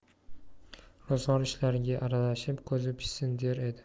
ro'zg'or ishlariga aralashib ko'zi pishsin der edi